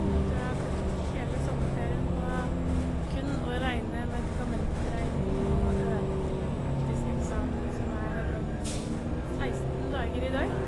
Og nå trur jeg jeg har brukt hele sommerferien på kun å regne medikamentregning og øve til den praktiske eksamen, som er om seksten dager i dag.